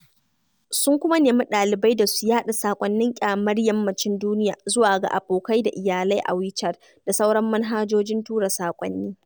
Sun kuma nemi ɗalibai da su yaɗa saƙonnin ƙyamar Yammacin duniya zuwa ga abokai da iyalai a Wechat da sauran manhajojin tura saƙonni.